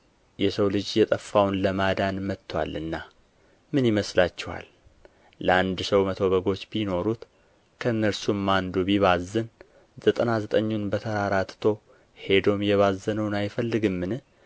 የሰው ልጅ የጠፋውን ለማዳን መጥቶአልና ምን ይመስላችኋል ለአንድ ሰው መቶ በጎች ቢኖሩት ከእነርሱም አንዱ ቢባዝን ዘጠና ዘጠኙን በተራራ ትቶ ሄዶም የባዘነውን አይፈልግምን